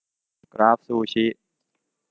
กราฟซูชิ